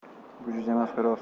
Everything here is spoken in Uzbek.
bu jo'jamas xo'roz